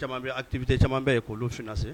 Pite caman bɛ ye k'olu sun na se